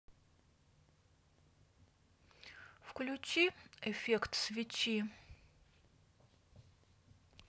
включи эффект свечи